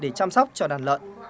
để chăm sóc cho đàn lợn